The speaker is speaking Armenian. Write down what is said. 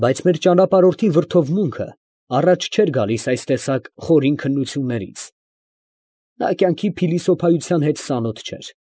Բայց մեր ճանապարհորդի վրդովմունքը առաջ չէր գալիս այս տեսակ խորին քննություններից. նա կյանքի փիլիսոփայության հետ ծանոթ չէր։